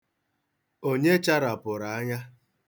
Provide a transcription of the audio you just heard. Onye charapụrụ anya?